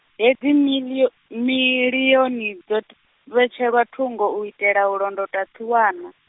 hedzi miḽio-, miḽioni dzo , vhetshelwa thungo u itela u londota tsiwana.